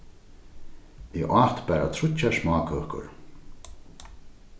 eg át bara tríggjar smákøkur